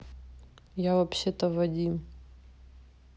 я вообще то вадим